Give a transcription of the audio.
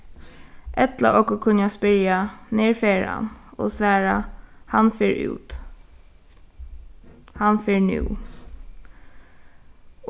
ella okur kunna spyrja nær fer hann og svara hann fer út hann fer nú